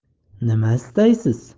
nima istaysiz